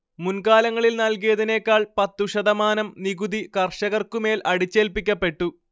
മുൻകാലങ്ങളിൽ നൽകിയതിനേക്കാൾ പത്തുശതമാനം നികുതി കർഷകർക്കുമേൽ അടിച്ചേൽപ്പിക്കപ്പെട്ടു